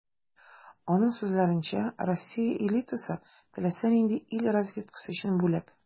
Аның сүзләренчә, Россия элитасы - теләсә нинди ил разведкасы өчен бүләк.